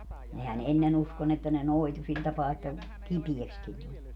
nehän ennen uskoi niin että ne noitui sillä tapaa että kipeäksikin tuli